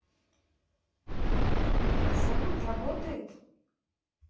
салют работает